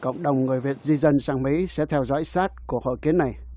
cộng đồng người việt di dân sang mỹ sẽ theo dõi sát của hội kiến này